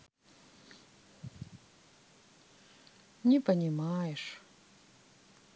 не понимаешь